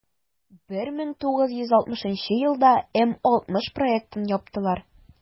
1960 елда м-60 проектын яптылар.